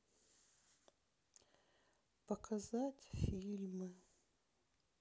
показать фильмы